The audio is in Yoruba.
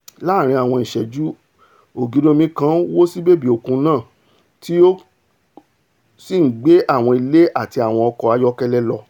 Láàrin àwọn ìṣẹ́jú ògiri omi kan wó sí bèbè òkun náà, tí ó sì ńgbé àwọn ilé àti àwọn ọkọ ayọ́kẹ́lẹ́ lọ.